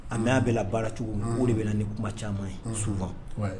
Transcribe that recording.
A mɛ a bɛ baara cogo' de bɛ ni kuma caman ye sufa